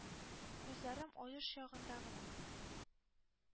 Күзләрем — Аеш ягында гына.